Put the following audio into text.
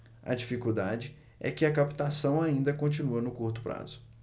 a dificuldade é que a captação ainda continua no curto prazo